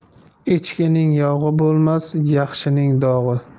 echkining yog'i bo'lmas yaxshining dog'i